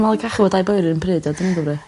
...malu cachu efo dau boi ar yr un pryd odi ni'n gyfri?